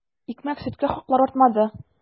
Икмәк-сөткә хаклар артмады.